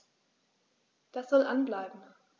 Das soll an bleiben.